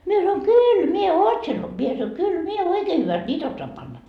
minä sanoin kyllä minä ootsen minä sanoin kyllä minä oikein hyvästi niitä osaan panna